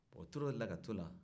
o tor'o de la ka t'o la